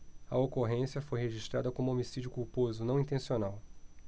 a ocorrência foi registrada como homicídio culposo não intencional